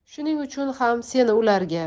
shuning uchun ham seni ularga